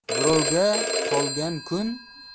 birovga qolgan kun